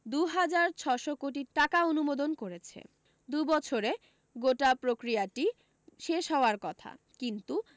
দু হাজার ছশো কোটি টাকা টাকা অনুমোদন করেছে দু বছরে গোটা প্রক্রিয়াটি শেষ হওয়ার কথা কিন্তু